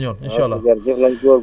ah baykat yi